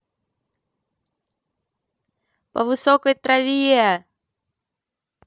по высокой траве